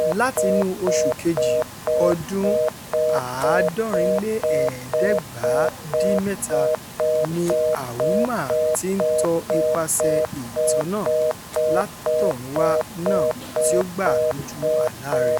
Láti inú oṣù kejì ọdún-un 1967, ni Ouma ti ń tọ ipasẹ̀ẹ ìtọ́nà látọ̀run wá náà tí ó gbà Iójú àláa rẹ̀.